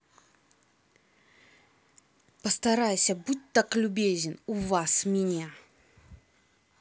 постарайся будь так любезен у вас меня